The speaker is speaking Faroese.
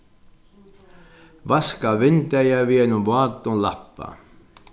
vaska vindeygað við einum vátum lappa